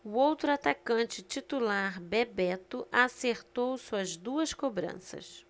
o outro atacante titular bebeto acertou suas duas cobranças